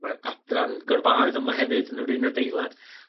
Mae'r adran gyrfaoedd yma hefyd yn yr un adeilad.